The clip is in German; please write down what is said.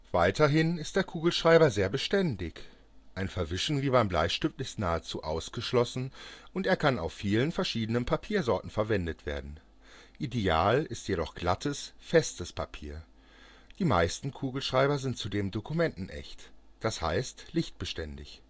Weiterhin ist der Kugelschreiber sehr beständig – ein Verwischen wie beim Bleistift ist nahezu ausgeschlossen, und er kann auf vielen verschiedenen Papiersorten verwendet werden. Ideal ist jedoch glattes, festes Papier. Die meisten Kugelschreiber sind zudem dokumentenecht, d. h. lichtbeständig